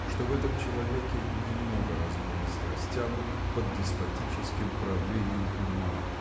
что в этом человеке немного разгула страстям под деспотическим правлением ума